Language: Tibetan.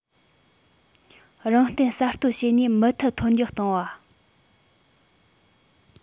རང བརྟེན གསར གཏོད བྱེད ནུས མུ མཐུད མཐོར འདེགས བཏང བ